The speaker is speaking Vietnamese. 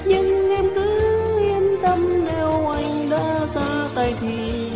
nhưng em cứ yên tâm nếu anh đã ra tay thì